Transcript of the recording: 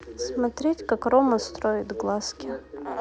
смотреть как рома строит глазки